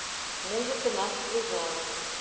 музыка нас связала